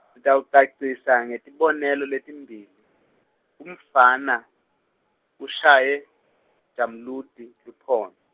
sitawucacisa ngetibonelo letimbalwa umfana ushaye Jamludi luphondvo.